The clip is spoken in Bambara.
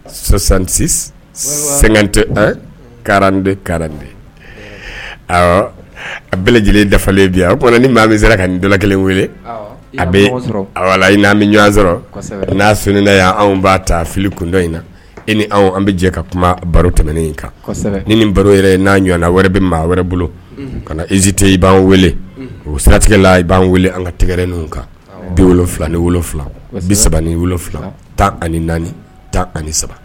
Sisansansi sɛgɛn tɛ kaden ka a bɛɛ lajɛlen dafalen bi a ko ni maa min sera ka nin dala kelen wele a bɛ a walayi n'a bɛ ɲɔgɔn sɔrɔ n'a sɔnna y' anw'a ta fili kun dɔ in na e ni an bɛ jɛ ka kuma baro tɛmɛnen in kan ni ni baro yɛrɛ n'a ɲɔgɔn wɛrɛ bɛ maa wɛrɛ bolo ka na iite i b'an wele o siratigɛla i b'an weele an ka tɛgɛɛrɛ kan bi wolo wolonwula ni wolofila bi saba ni wolo wolonwula tan ani naani tan ani saba